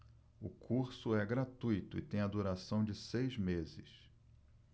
o curso é gratuito e tem a duração de seis meses